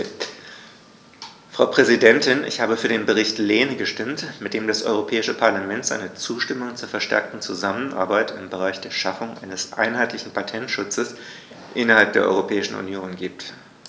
Frau Präsidentin, ich habe für den Bericht Lehne gestimmt, mit dem das Europäische Parlament seine Zustimmung zur verstärkten Zusammenarbeit im Bereich der Schaffung eines einheitlichen Patentschutzes innerhalb der Europäischen Union gibt.